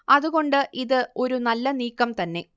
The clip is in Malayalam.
അത് കൊണ്ട് ഇത് ഒരു നല്ല നീക്കം തന്നെ